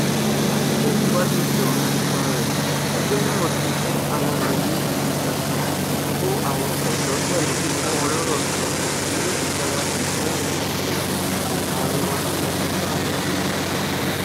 Láti tẹ̀síwájú pẹ̀lú ipa rẹ̀, ẹgbẹ́ náà ti fún ara rẹ̀ ní ìdí tuntun: kó àwọn ọ̀dọ́ pẹ̀lú fífún wọn lórọ̀ sọ ní ìgbáradì fún ètò ìdìbò ààrẹ ọdún 2012.